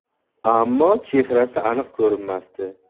ammo chehrasi aniq ko'rinmasdi